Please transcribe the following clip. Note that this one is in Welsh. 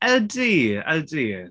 Ydy, ydy.